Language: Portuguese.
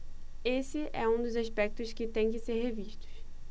esse é um dos aspectos que têm que ser revistos